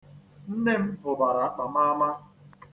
Nne m hụbara akpa m ama.